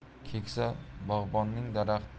keksa bog'bonning daraxt